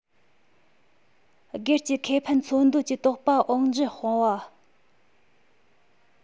སྒེར གྱི ཁེ ཕན འཚོལ འདོད ཀྱི རྟོག པ འོག འགྱུ སྤངས པ